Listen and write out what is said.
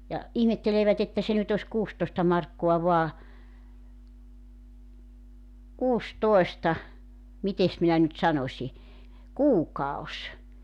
ja ihmettelevät että se nyt olisi kuusitoista markkaa vain - mitenkäs minä nyt sanoisin kuukausi